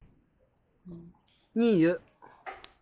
གཉིས ཡོད